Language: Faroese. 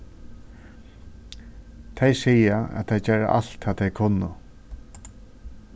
tey siga at tey gera alt tað tey kunnu